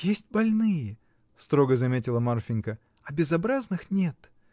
— Есть больные, — строго заметила Марфинька, — а безобразных нет!